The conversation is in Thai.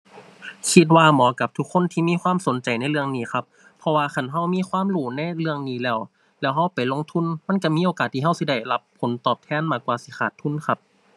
คิดว่าเหมาะกับทุกคนที่มีความสนใจในเรื่องนี้ครับ เพราะว่าคันเรามีความรู้ในเรื่องนี้แล้ว แล้วเราไปลงทุน มันเรามีโอกาสที่เราสิได้รับผลตอบแทนมากกว่าสิขาดทุนครับ